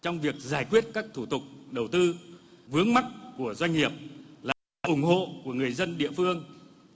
trong việc giải quyết các thủ tục đầu tư vướng mắc của doanh nghiệp là ủng hộ của người dân địa phương